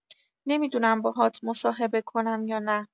نمی‌دونم باهات مصاحبه کنم یا نه.